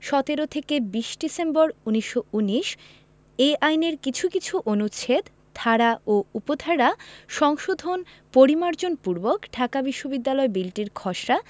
১৭ থেকে ২০ ডিসেম্বর ১৯১৯ এ আইনের কিছু কিছু অনুচ্ছেদ ধারা ও উপধারা সংশোধন পরিমার্জন পূর্বক ঢাকা বিশ্ববিদ্যালয় বিলটির খসড়া